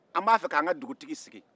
an b'a fɛ ka an ka dugutigi sigi